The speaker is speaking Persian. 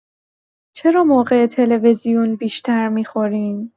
چرا موقع تلویزیون بیشتر می‌خوریم؟